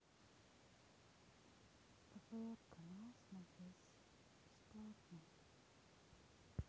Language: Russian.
гбр канал смотреть бесплатный